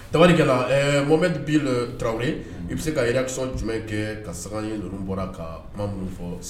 Tabarikɛla mɔmɛ bi tarawele i bɛ se ka yɛrɛkisɛsɔn jumɛn kɛ ka saga ye bɔra ka ma minnu fɔ